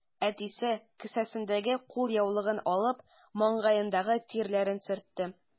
Әтисе, кесәсендәге кулъяулыгын алып, маңгаендагы тирләрен сөртте.